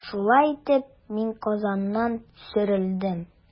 Шулай итеп, мин Казаннан сөрелдем.